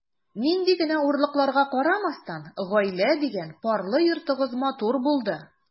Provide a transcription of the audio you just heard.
Нинди генә авырлыкларга карамастан, “гаилә” дигән парлы йортыгыз матур булды.